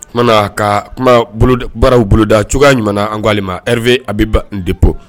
O kumana ka kuma baararaww boloda cogoya ɲuman an'ale rpe a bɛ ba nin dep